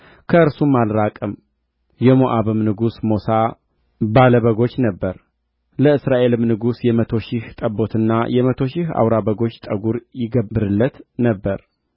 አሥራ ሁለትም ዓመት ነገሠ በእግዚአብሔርም ፊት ክፉ አደረገ ነገር ግን አባቱ ያሠራውን የበኣልን ሐውልት አርቆአልና እንደ አባቱና እንደ እናቱ አልነበረም ነገር ግን እስራኤልን ባሳታቸው በናባጥ ልጅ በኢዮርብዓም ኃጢአት ተያዘ